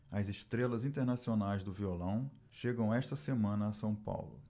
as estrelas internacionais do violão chegam esta semana a são paulo